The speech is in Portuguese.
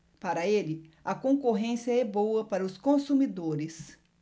para ele a concorrência é boa para os consumidores